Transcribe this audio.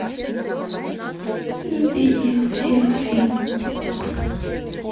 люби их всех фильм